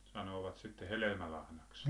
sanovat sitten hedelmälahnaksi